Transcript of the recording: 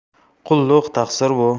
qulluq taqsir bu